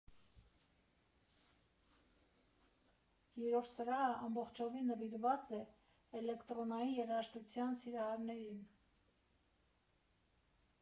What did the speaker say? Երրորդ սրահը ամբողջովին նվիրված է էլեկտրոնային երաժշտության սիրահարներին։